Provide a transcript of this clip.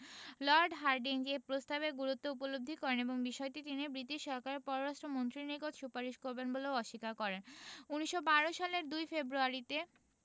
Lord Hardinge এ প্রস্তাবের গুরুত্ব উপলব্ধি করেন এবং বিষয়টি তিনি ব্রিটিশ সরকারের পররাষ্ট্র মন্ত্রীর নিকট সুপারিশ করবেন বলেও অস্বিকার করেন ১৯১২ সালের ২ ফেব্রুয়ারিতে